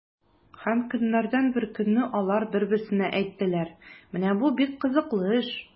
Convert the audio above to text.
Һәм көннәрдән бер көнне алар бер-берсенә әйттеләр: “Менә бу бик кызыклы эш!”